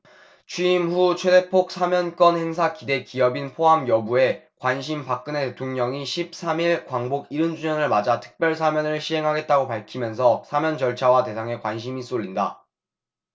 취임 후 최대폭 사면권 행사 기대 기업인 포함 여부에 관심 박근혜 대통령이 십 삼 일 광복 일흔 주년을 맞아 특별사면을 시행하겠다고 밝히면서 사면 절차와 대상에 관심이 쏠린다